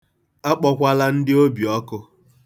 Akpọlakwala ndị obiọkụ.